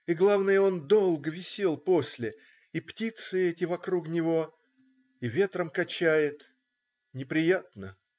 и главное, он долго висел после. и птицы это вокруг него. и ветром качает. неприятно.